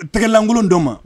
Tɛgɛ lankolon dɔ ma